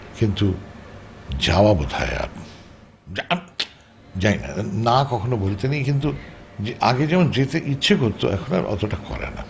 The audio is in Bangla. কিন্তু যাওয়া বোধহয় আর জানিনা না না কখনো বলতে নেই আগে যেমন যেতে ইচ্ছে করত এখন আর অতটা করেনা